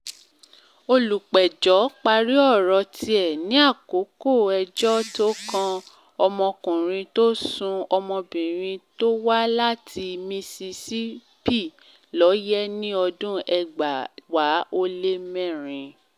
Olùpẹ̀jọ́ parí ọ̀rọ̀ tiẹ̀ ní àkókò ẹjọ́ tó kan ọmọkùnrin tó sun ọmọbìnrin tó wá láti Mississippi lóòyẹ̀ ní ọdún 2014.